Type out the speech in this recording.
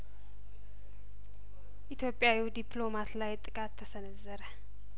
ኢትዮጵያዊው ዲፕሎማት ላይ ጥቃት ተሰነዘረ